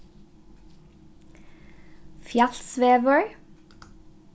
fjalsvegur